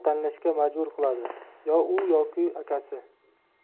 tanlashga majbur qiladi yo u yoki akasi